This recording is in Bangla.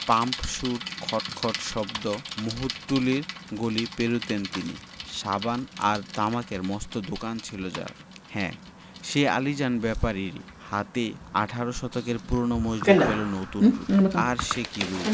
পাম্পসুর খট খট শব্দ মাহুতটুলির গলি পেরুতেন তিনি সাবান আর তামাকের মস্ত দোকান ছিল যার হ্যাঁ সেই আলীজান ব্যাপারীর হাতেই আঠারো শতকের পুরোনো মসজিদ পেলো নতুন রুপ আর সে কি রুপ